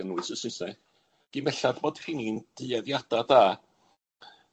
gynnwys y Sysneg, gin bellad bod hinny'n dueddiada da.